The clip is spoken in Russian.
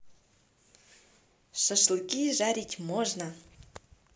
шашлыки жарить можно